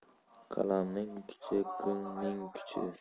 qalamning uchi qihchning kuchi